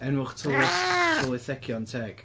Enwch tylwyth tylwythegion teg.